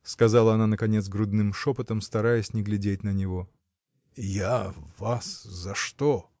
— сказала она наконец грудным шепотом, стараясь не глядеть на него. — Я, вас? за что?